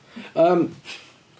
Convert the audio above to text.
Yym.